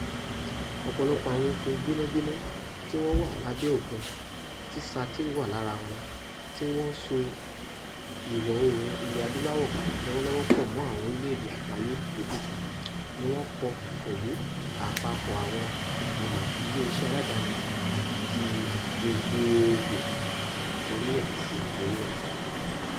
Ọ̀pọ̀lọpọ̀ àwọn okùn gbénágbéná tí wọ́n wà lábẹ́ òkun, tí SAT-3 wà lára wọn tí wọ́n so Ìwọ̀ Oòrùn Ilẹ̀ Adúláwò lọ́wọ́lọ́wọ́ pọ̀ mọ́ àwọn orílẹ́ èdè àgbáyé yòókù, ni wọ́n kọ́ pẹ̀lú àpapọ̀ àwọn ìgbìmọ̀ ilé iṣẹ́ àdáni àti ti gbogbogbò (orílẹ̀-sí-orílẹ̀).